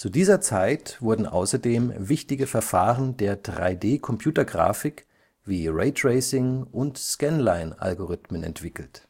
dieser Zeit wurden außerdem wichtige Verfahren der 3D-Computergrafik wie Raytracing und Scanline-Algorithmen entwickelt